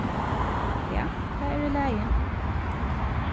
ja tað er í lagi